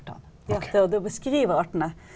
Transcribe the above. ja det er det å beskrive artene.